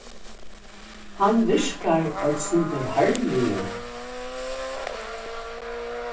hann virkar eitt sindur harðligur